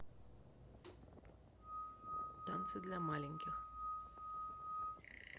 танцы для маленьких